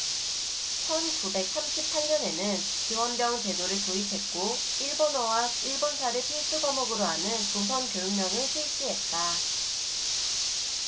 천 구백 삼십 팔 년에는 지원병 제도를 도입했고 일본어와 일본사를 필수과목으로 하는 조선교육령을 실시했다